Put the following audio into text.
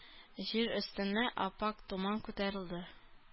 Җир өстеннән ап-ак томан күтәрелде.